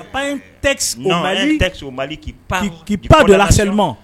Pas un texte du Mali, non un texte du Mali qui parle de harcellement